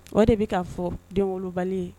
O de bɛ ka fɔ denwolobali ye